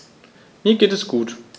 Mir geht es gut.